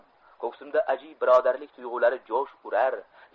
ko'ksimda ajib birodarlik tuyg'ulari jo'sh urar